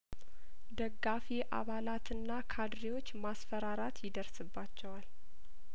ደጋፊ አባላትና ካድሬዎች ማስፈራራት ይደርስባቸዋል